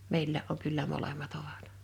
meilläkin on kyllä molemmat ovat